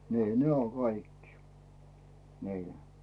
niin ne on kaikki niin